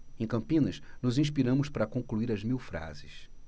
em campinas nos inspiramos para concluir as mil frases